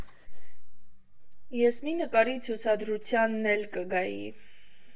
Ես մի նկարի ցուցադրությանն էլ կգայի՜։